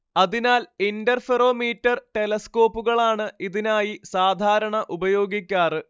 അതിനാൽ ഇന്റർഫെറൊമീറ്റർ ടെലസ്കോപ്പുകളാണ് ഇതിനായി സാധാരണ ഉപയോഗിക്കാറ്